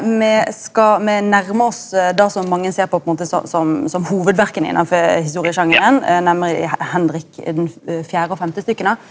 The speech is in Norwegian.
me skal me nærmar oss det som mange ser på på ein måte så som som hovudverka innafor historiesjangeren nemleg Henrik den fjerde- og femte-stykka.